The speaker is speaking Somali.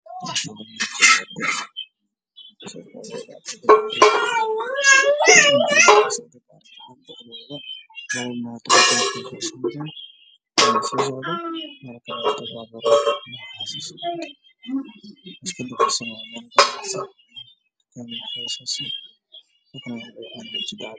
Meeshaan waa meel walba waxaa maraayo labo bajaaj oo soo socdo iyo gareeto jawaano cagaar iyo sare yihiin iyo gaari ciidan saaran yihiin